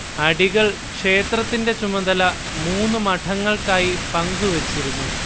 അടികൾ ക്ഷേത്രത്തിന്റെ ചുമതല മൂന്ന് മഠങ്ങൾക്കായി പങ്കുവച്ചിരുന്നു